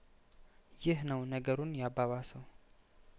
ይህ ነው ነገሩን ያባባሰው